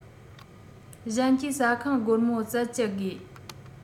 གཞན གྱིས ཟ ཁང སྒོར མོ བཙལ བཅད དགོས